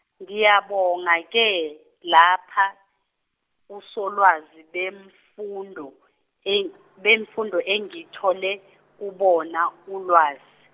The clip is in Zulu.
ngiyabonga ke, lapha osolwazi bemfundo en- bemfundo engithole kubona ulwazi.